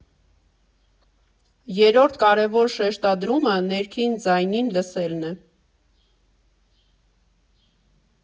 Երրորդ կարևոր շեշտադրումը՝ ներքին ձայնին լսելն է։